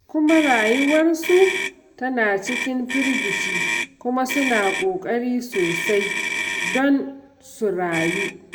Kuma rayuwarsu tana cikin firgici kuma suna ƙoƙari sosai don su rayu.